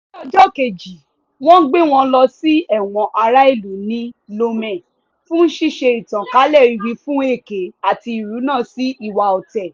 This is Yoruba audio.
Ní ọjọ́ kejì, wọ́n gbé wọn lọ sí ẹ̀wọ̀n ará-ìlú ní Lomé fún ṣíṣe ìtànkálẹ̀ ìwífún èké àti ìrúnná sí ìwà ọ̀tẹ̀.